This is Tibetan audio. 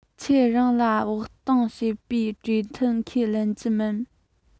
ཁྱེད རང ལ བོགས གཏོང བྱེད པའི གྲོས མཐུན ཁས ལེན གྱི མེད